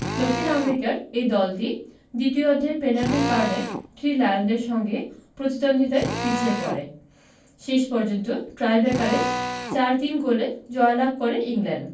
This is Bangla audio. দক্ষিণ আমেরিকার ওই দলটি দ্বিতীয়ার্ধের পেনাল্টির কারণে থ্রি লায়নদের সঙ্গে প্রতিদ্বন্দ্বিতায় পিছিয়ে পড়ে শেষ পর্যন্ত টাইট্রেকারে ৪ ৩ গোলে জয়লাভ করে ইংল্যান্ড